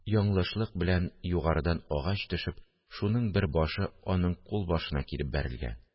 – яңлышлык белән югарыдан агач төшеп, шуның бер башы аның кулбашына килеп бәрелгән